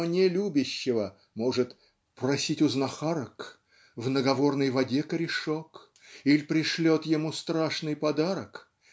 но не любящего может "просить у знахарок в наговорной воде корешок иль пришлет ему страшный подарок